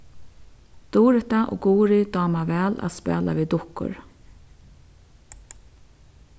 durita og guðrið dáma væl at spæla við dukkur